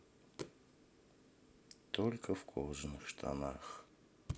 только в кожаных штанах